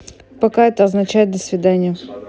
пока это означает до свидания